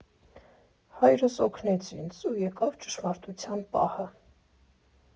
Հայրս օգնեց ինձ ու եկավ ճշմարտության պահը։